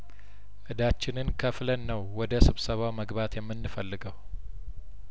እዳችንን ከፍለን ነው ወደ ስብሰባው መግባት የምን ፈልገው